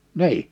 niin